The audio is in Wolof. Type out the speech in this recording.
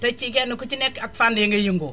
te ci kenn ku ci nekk ak fànn ya ngay yëngoo